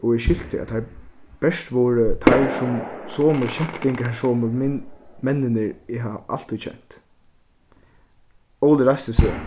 og eg skilti at teir bert vóru teir sum somu skemtingarsomu menninir eg altíð kent óli reisti seg